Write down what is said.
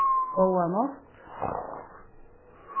góða nátt